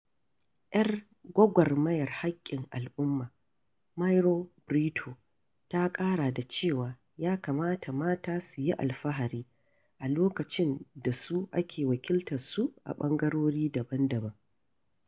Yar gwagwarmayar haƙƙin al'umma, Mauro Brito, ta ƙara da cewa ya kamata mata su yi alfahari "a lokacin da su ake wakiltarsu a ɓangarori daban-daban":